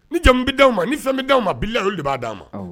Ni jamu bɛ di aw ma ni fɛn bɛ di' ma bila olu de b' d di'a ma